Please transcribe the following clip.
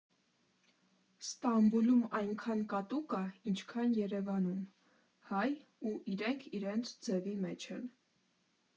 Ստամբուլում այնքան կատու կա, ինչքան Երևանում՝ հայ, ու իրենք իրենց ձևի մեջ են.